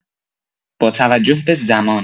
با توجه به زمان